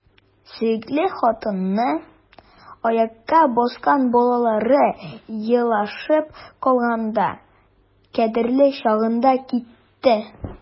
Сөекле хатыны, аякка баскан балалары елашып калганда — кадерле чагында китте!